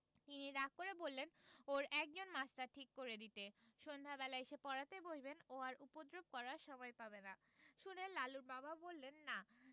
তিনি রাগ করে বললেন ওর একজন মাস্টার ঠিক করে দিতে সন্ধ্যেবেলায় এসে পড়াতে বসবেন ও আর উপদ্রব করবার সময় পাবে না শুনে লালুর বাবা বললেন না